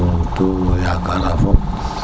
to yakara fop